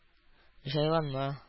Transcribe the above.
Җайланма